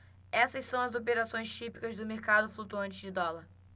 essas são as operações típicas do mercado flutuante de dólar